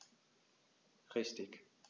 Richtig